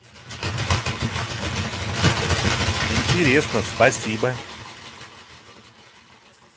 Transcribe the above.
интересно спасибо